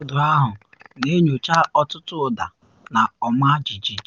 Ọdụ ahụ na enyocha ọtụtụ ụda na ọma jiji.